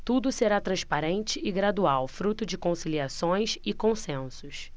tudo será transparente e gradual fruto de conciliações e consensos